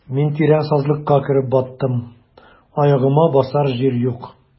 Мин тирән сазлыкка кереп баттым, аягыма басар җир юк.